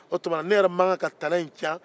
o tuma na ne yɛrɛ man kan tɛnɛ nin tiɲɛ